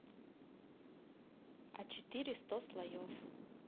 а четыре сто слоев